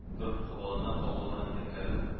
Торып кабалана-кабалана итәкләрен